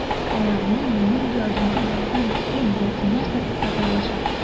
Аларны мондый адымга барудан кем яки нәрсә туктата алачак?